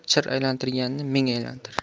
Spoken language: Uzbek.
chir aylantirganni ming aylantir